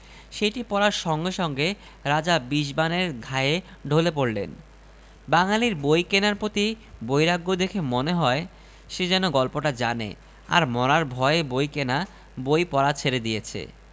জ্ঞানতৃষ্ণা তার প্রবল কিন্তু বই কেনার বেলা সে অবলা আবার কোনো কোনো বেশরম বলে বাঙালীর পয়সার অভাব বটে